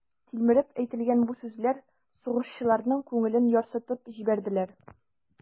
Тилмереп әйтелгән бу сүзләр сугышчыларның күңелен ярсытып җибәрделәр.